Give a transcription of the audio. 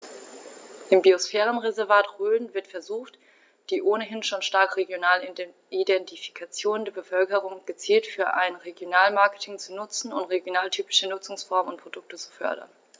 Im Biosphärenreservat Rhön wird versucht, die ohnehin schon starke regionale Identifikation der Bevölkerung gezielt für ein Regionalmarketing zu nutzen und regionaltypische Nutzungsformen und Produkte zu fördern.